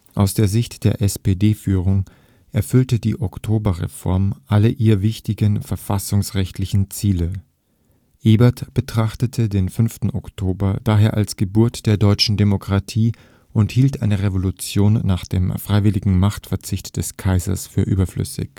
Aus Sicht der SPD-Führung erfüllte die Oktoberreform alle ihr wichtigen verfassungsrechtlichen Ziele. Ebert betrachtete den 5. Oktober daher als „ Geburt der deutschen Demokratie “und hielt eine Revolution nach dem freiwilligen Machtverzicht des Kaisers für überflüssig